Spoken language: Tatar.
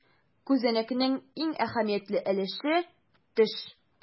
Күзәнәкнең иң әһәмиятле өлеше - төш.